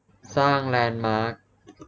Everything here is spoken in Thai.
สร้างแลนด์มาร์ค